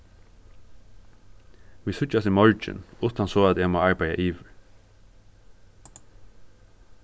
vit síggjast í morgin uttan so at eg má arbeiða yvir